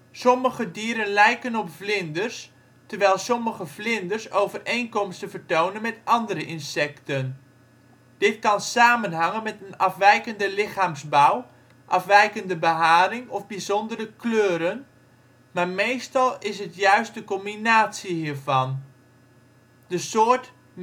Sommige dieren lijken op vlinders terwijl sommige vlinders overeenkomsten vertonen met andere insecten. Dit kan samenhangen met een afwijkende lichaamsbouw, afwijkende beharing of bijzondere kleuren, maar meestal is het juist de combinatie hiervan. De soort Megalopyge